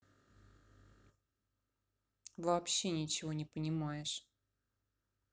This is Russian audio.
вообще ничего не понимаешь